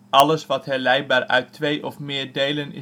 Alles wat herleidbaar uit twee of meer delen